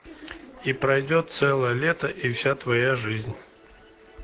и пройдет целое лето и вся твоя жизнь